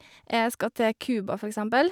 Jeg skal til Cuba, for eksempel.